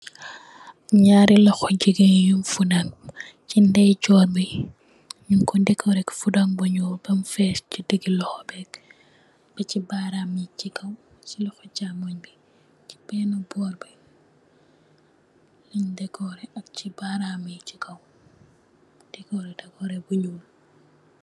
Nyari loho gigain nyung fudan sey ndey jorr bi nyungko decorate fudan bu nyuul pam fess sey digi lohobi bichi barami sey kaw sey loho chamunj bi sey bena borr bi lenj decoreh ak sey barami sey kaw decoreh decoreh bu nyuul.